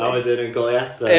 a wedyn yn goleuadau...